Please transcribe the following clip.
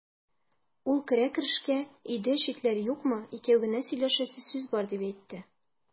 Ул керә-керешкә: "Өйдә читләр юкмы, икәү генә сөйләшәсе сүз бар", дип әйтте.